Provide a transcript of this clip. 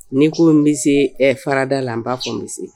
Ni ko n bɛ se farada laba fɔ bɛ se